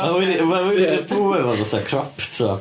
Mae Winni mae Winnie the Pooh efo fatha crop top.